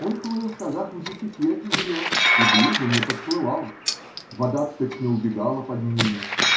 Он плыл шагах в десяти от нее и ближе не подплывал. Вода точно убегала под ними.